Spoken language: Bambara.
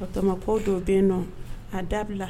Oto ko dɔ bɛ dɔn a dabila